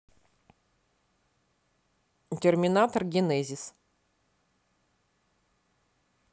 терминатор генезис